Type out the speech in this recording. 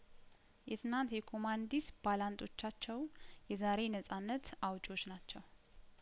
የትናንት የኮማን ዲስ ባላንጦቻቸውም የዛሬ ነጻነት አውጭዎች ናቸው